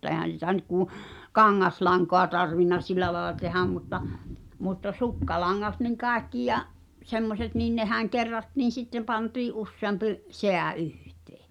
eihän sitä nyt kun kangaslankaa tarvinnut sillä lailla tehdä mutta mutta sukkalangat niin kaikki ja semmoiset niin nehän kerrattiin sitten pantiin useampi säie yhteen